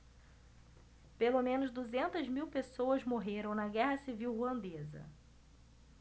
pelo menos duzentas mil pessoas morreram na guerra civil ruandesa